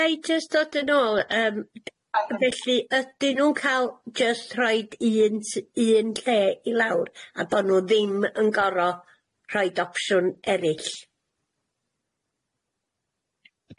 Ga i jyst dod yn ôl yym felly ydyn nw'n ca'l jyst rhoid un s- un lle i lawr a bo' nw ddim yn goro rhoid opsiwn erill?